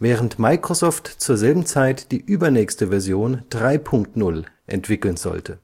während Microsoft zur selben Zeit die übernächste Version 3.0 entwickeln sollte